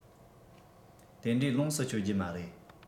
དེ འདྲའི ལོངས སུ སྤྱོད རྒྱུ མ རེད